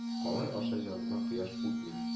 Калай аша җаныма кояш үтми